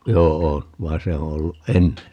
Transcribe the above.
joo vaan se on ollut ennen